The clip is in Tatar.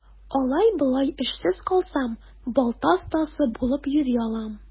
Алай-болай эшсез калсам, балта остасы булып йөри алам.